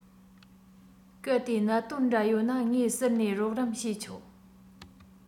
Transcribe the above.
གལ ཏེ གནད དོན འདྲ ཡོད ན ངས ཟུར ནས རོགས རམ བྱས ཆོག